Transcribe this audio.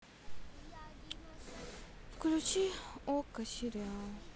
включи окко сериал